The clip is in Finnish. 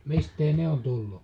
mistä ne on tullut